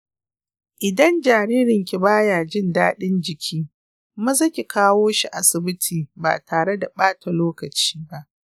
idan jaririnki ba ya jin daɗin jiki, maza ki kawo shi asibiti ba tare da ɓata lokaci ba